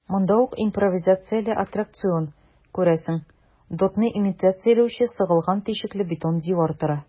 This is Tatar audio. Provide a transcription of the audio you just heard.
Монда ук импровизацияле аттракцион - күрәсең, дотны имитацияләүче сыгылган тишекле бетон дивар тора.